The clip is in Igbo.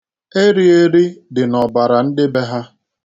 Erieri dị n'ọbara ndị be ha.